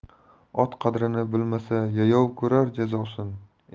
ot qadrini bilmasa yayov ko'rar jazosin